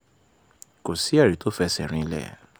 Kò sí ẹ̀rí tí ó fi ẹsẹ̀ rinlẹ̀.